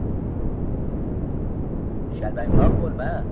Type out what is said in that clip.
shalpangquloq bo'lma